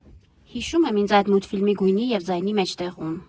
«Հիշում եմ ինձ այդ մուլտֆիլմի գույնի և ձայնի մեջտեղում։